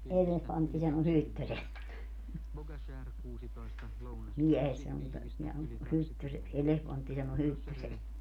elefantti sanoi hyttyseksi miehestä mutta nämä on hyttyseksi elefantti sanoi hyttyseksi